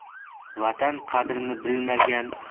vatan qadrini bilmagan